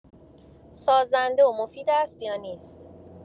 سازنده و مفید است یا نیست.